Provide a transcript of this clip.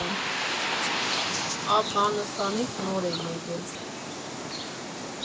Աֆղանստանից նոր է եկել։